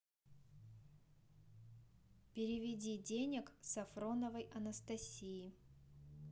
переведи денег сафроновой анастасии